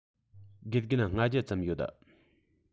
དགེ རྒན ༥༠༠ ཙམ ཡོད